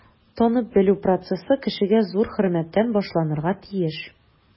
Танып-белү процессы кешегә зур хөрмәттән башланырга тиеш.